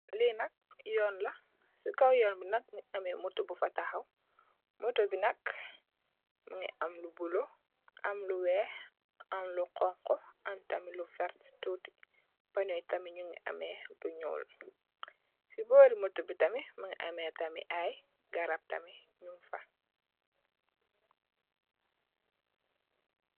Linak Yoon la ci kaw Yoon bi nak mugi am moto bufa taxaw moto bi nak mugi am lu bula am lu wex am lu xonxu am lu weert toti pano Yi tamit mugi ame lu njul ci bori motobi bu hi am ay garab